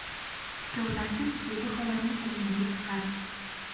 ikkovlashib zebi xolani kabinaga chiqardik